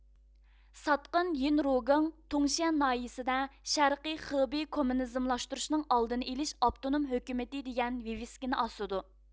ساتقىن يىنرۇگېڭ تۇڭشيەن ناھىيىسىدە شەرقىي خېبېي كوممۇنىزملاشتۇرۇشنىڭ ئالدىنى ئېلىش ئاپتونوم ھۆكۈمىتى دېگەن ۋىۋىسكىنى ئاسىدۇ